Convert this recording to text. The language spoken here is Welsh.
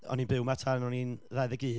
o'n i'n byw 'ma tan o'n i'n ddau ddeg un